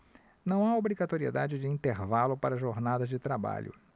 não há obrigatoriedade de intervalo para jornadas de trabalho